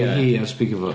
Hi ar speakerphone.